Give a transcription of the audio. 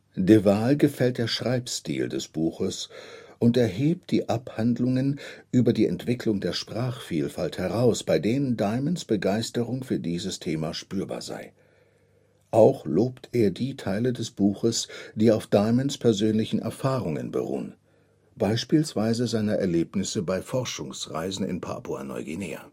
De Waal gefällt der Schreibstil des Buches und er hebt die Abhandlungen über die Entwicklung der Sprachvielfalt heraus, bei denen Diamonds Begeisterung für dieses Thema spürbar sei. Auch lobt er die Teile des Buches, die auf Diamonds persönlichen Erfahrungen beruhen – beispielsweise seine Erlebnisse bei Forschungsreisen in Papua-Neuguinea